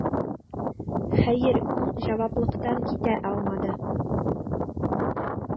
Хәер, ул җаваплылыктан китә алмады: